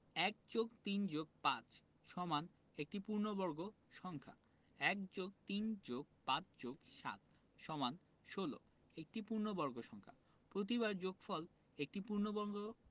১+৩+৫= একটি পূর্ণবর্গ সংখ্যা ১+৩+৫+৭=১৬ একটি পূর্ণবর্গ সংখ্যা প্রতিবার যোগফল একটি পূর্ণবঙ্গ